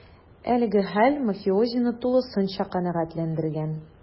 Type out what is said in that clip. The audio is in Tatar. Әлеге хәл мафиозины тулысынча канәгатьләндергән: